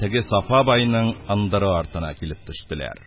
Теге сафа байның ындыры артына килеп төштеләр.